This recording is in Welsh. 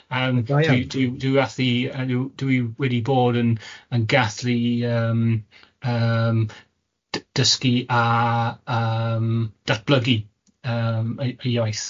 yym.. Da iawn. ...dwi dwi dwi wath i yy dwi dwi wedi bod yn yn gallu yym yym d- dysgu a yym datblygu yym ei y iaith.